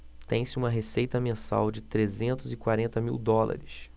tem-se uma receita mensal de trezentos e quarenta mil dólares